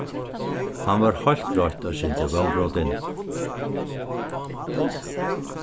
hann var heilt greitt eitt sindur vónbrotin